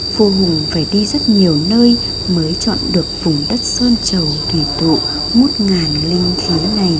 vua hùng phải đi rất nhiều nơi mới chọn được vùng đất sơn chầu thủy tụ ngút ngàn linh khí này